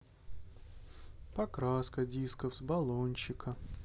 покраска дисков с баллончика